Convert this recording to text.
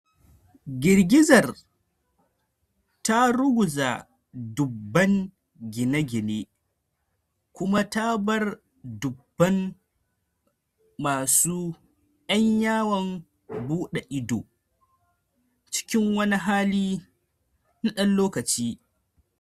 Girgizar ta ruguza dubban gine-gine kuma ta bar dubban masu 'yan yawon bude ido cikin wani hali na dan lokaci.